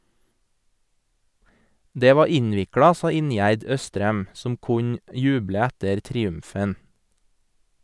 Det var innvikla sa Ingjerd Østrem , som kunne juble etter triumfen.